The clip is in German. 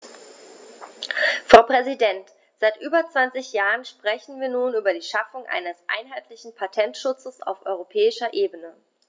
Frau Präsidentin, seit über 20 Jahren sprechen wir nun über die Schaffung eines einheitlichen Patentschutzes auf europäischer Ebene.